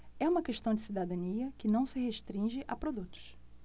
é uma questão de cidadania que não se restringe a produtos